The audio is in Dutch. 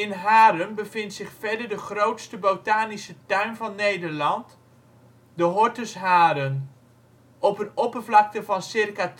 Haren bevindt zich verder de grootste botanische tuin van Nederland, de Hortus Haren. Op een oppervlakte van circa